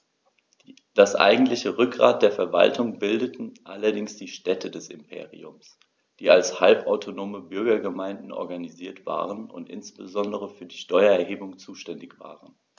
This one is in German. Das eigentliche Rückgrat der Verwaltung bildeten allerdings die Städte des Imperiums, die als halbautonome Bürgergemeinden organisiert waren und insbesondere für die Steuererhebung zuständig waren.